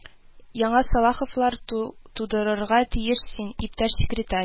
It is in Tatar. Яңа Салаховлар тудырырга тиеш син, иптәш секретарь